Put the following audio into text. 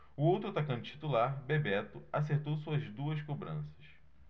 o outro atacante titular bebeto acertou suas duas cobranças